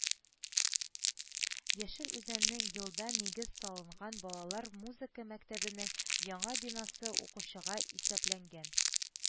Яшел Үзәннең елда нигез салынган балалар музыка мәктәбенең яңа бинасы укучыга исәпләнгән